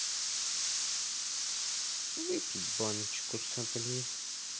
выпить баночку сопли